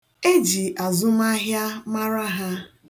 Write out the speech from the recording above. E ji azụmahịa mara ha.